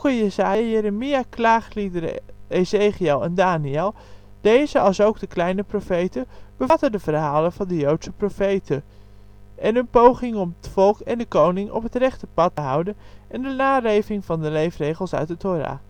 Jesaja, Jeremia, Klaagliederen, Ezechiël en Daniël. Deze, alsook de kleine profeten, bevatten de verhalen van de joodseprofeten (m/v), en hun pogingen het volk (en de koning) op het rechte pad te houden in de naleving van de leefregels uit de Thora